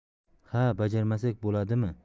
ha bajarmasak bo'ladimi